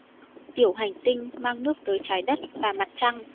tiểu hành tinh mang nước tới trái đất và mặt trăng